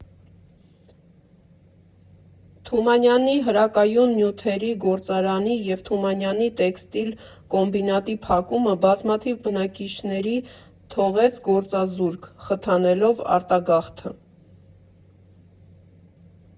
Թումանյանի հրակայուն նյութերի գործարանի և Թումանյանի տեքստիլ կոմբինատի փակումը բազմաթիվ բնակիչների թողեց գործազուրկ՝ խթանելով արտագաղթը։